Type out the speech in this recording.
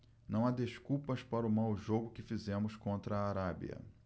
não há desculpas para o mau jogo que fizemos contra a arábia